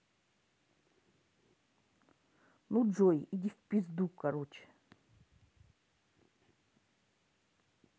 ну джой иди в пизду короче